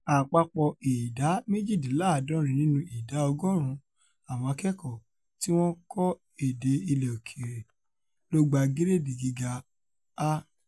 Àpapọ ìdá méjìdínláàdọrin nínú ìdá ọgọ́ọ̀rún àwọn akẹ́kọ̀ọ́ tí wọ́n kọ́ èdè ilẹ̀ òkèèrè lógba giredi Giga A.